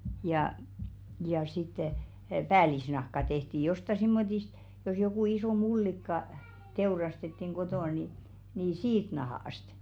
ja ja sitten päällisnahka tehtiin jostakin semmoisesta jos joku iso mullikka teurastettiin kotona niin niin siitä nahasta